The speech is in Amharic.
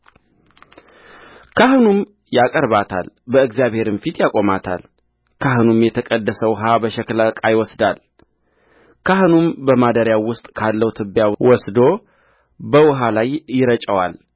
ካህኑም ያቀርባታል በእግዚአብሔርም ፊት ያቆማታልካህኑም የተቀደሰ ውኃ በሸክላ ዕቃ ይወስዳል ካህኑም በማደሪያው ውስጥ ካለው ትቢያ ወስዶ በውኃ ላይ ይረጨዋል